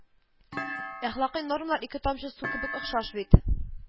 Әхлакый нормалар ике тамчы су кебек охшаш бит